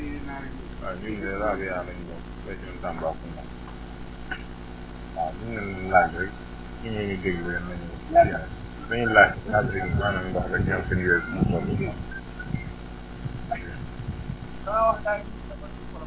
nuyu naa leen de waaw ñun de Rabia lañ bokk région Tambacounda waaw ñu ngi leen di laaj rek ñi ngi leen di déglu * dañuy laaj si * maanaam ndox * fu mu toll quoi